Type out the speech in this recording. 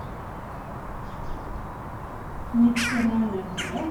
Mitt navn er Tuula.